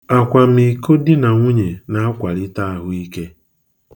Akwamiko di na nwunye na akwalite ahụike.